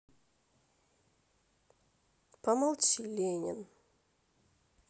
помолчи ленин